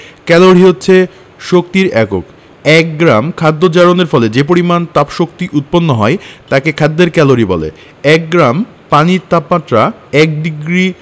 calorie হচ্ছে শক্তির একক এক গ্রাম খাদ্য জারণের ফলে যে পরিমাণ তাপশক্তি উৎপন্ন হয় তাকে খাদ্যের ক্যালরি বলে এক গ্রাম পানির তাপমাত্রা ১ ডিগ্রি